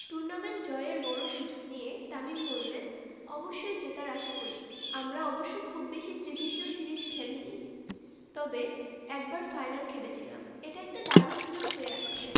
tournament জয়ের বড় সুযোগ নিয়ে তামিম বললেন অবশ্যই জেতার আশা করছি আমরা অবশ্য খুব বেশি ত্রিদেশীয় সিরিজ খেলেনি তবে একবার ফাইনাল খেলেছিলাম এটা একটা দারুণ সুযোগ হয়ে আসছে